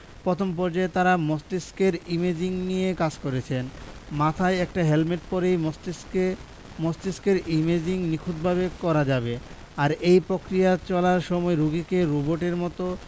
প্রথম পর্যায়ে তারা মস্তিষ্কের ইমেজিং নিয়ে কাজ করেছেন মাথায় একটা হেলমেট পরেই মস্তিষ্কে মস্তিষ্কের ইমেজিং নিখুঁতভাবে করা যাবে আর এই প্রক্রিয়া চলার সময় রোগীকে রোবটের মতো